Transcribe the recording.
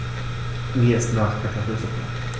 Mir ist nach Kartoffelsuppe.